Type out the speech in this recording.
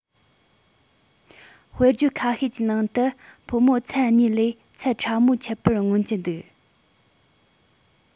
དཔེར བརྗོད ཁ ཤས ཀྱི ནང དུ ཕོ མོ མཚན གཉིས ལས ཚད ཕྲ མོའི ཁྱད པར མངོན གྱི འདུག